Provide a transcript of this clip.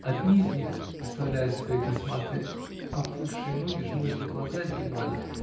Одни из них, выставляя свои косматые оплывшие ноги, жмурили глаза и дремали